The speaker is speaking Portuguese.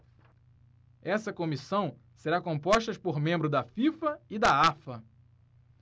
essa comissão será composta por membros da fifa e da afa